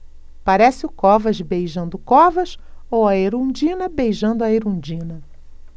parece o covas beijando o covas ou a erundina beijando a erundina